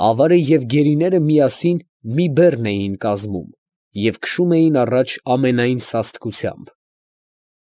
Ավարը և գերիները միասին մի բեռն էին կազմում և քշում էին առաջ ամենայն սաստկությամբ։